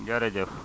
jërëjëf